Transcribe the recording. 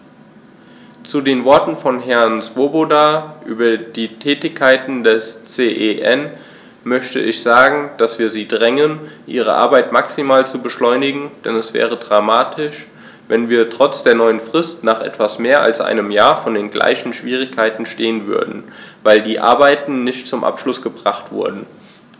Zu den Worten von Herrn Swoboda über die Tätigkeit des CEN möchte ich sagen, dass wir sie drängen, ihre Arbeit maximal zu beschleunigen, denn es wäre dramatisch, wenn wir trotz der neuen Frist nach etwas mehr als einem Jahr vor den gleichen Schwierigkeiten stehen würden, weil die Arbeiten nicht zum Abschluss gebracht wurden.